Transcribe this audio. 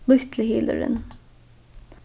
lítli hylurin